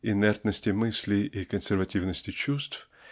инертности мысли и консервативности чувств